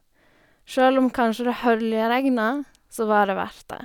Sjøl om kanskje det høljregna, så var det verdt det.